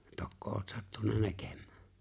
tokko olet sattunut näkemään